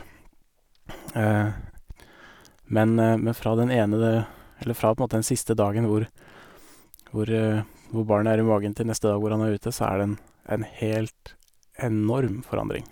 men Men fra den ene eller fra på en måte den siste dagen hvor hvor hvor barnet er i magen, til neste dag hvor han er ute, så er det en en helt enorm forandring.